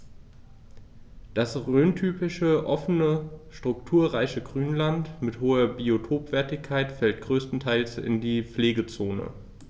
Das rhöntypische offene, strukturreiche Grünland mit hoher Biotopwertigkeit fällt größtenteils in die Pflegezone.